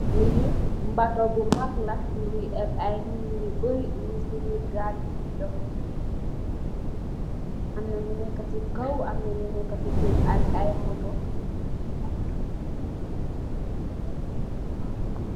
Li mbato bu mag muy epp ay nit yu bari nyungsi biir gal gi dii dox. Am na ñu nekk ci kaw am na ñu nekk ci suuf ak ay moto.